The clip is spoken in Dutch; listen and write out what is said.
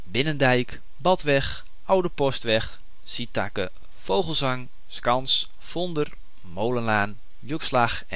Binnendijk - Badweg - Oude Postweg - Sydtakke - Vogelzang - Skans - Fonder - Molenlaan - Wjukslach